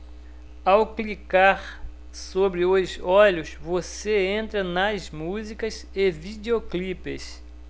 ao clicar sobre os olhos você entra nas músicas e videoclipes